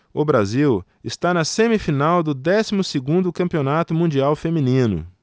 o brasil está na semifinal do décimo segundo campeonato mundial feminino